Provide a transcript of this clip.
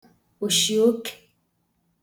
òshiokē